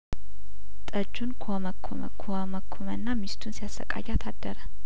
ጠጁን ኰመኰመ ኰመኰመና ሚስቱን ሲያሰቃያት አደረ